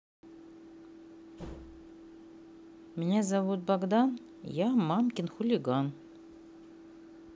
меня зовут богдан я мамкин хулиган